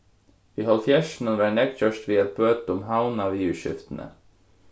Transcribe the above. í hálvfjerðsunum var nógv gjørt við at bøta um havnaviðurskiftini